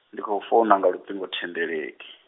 ndi khou founa nga luṱingo thendeleki.